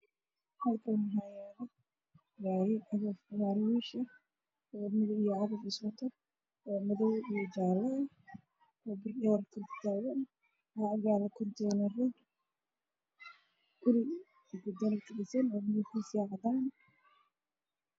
Waxaa ii muuqato cagaf cagaf wiish ah oo midabkeedu yahay jaalo oo meel bannaan taagan oo wax qaadeyso